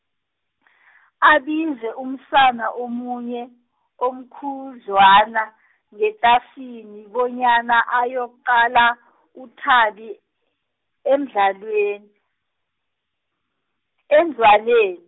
abize umsana omunye, omkhudlwana ngetlasini bonyana ayokuqala uThabi, emdlalweni, endlwaneni.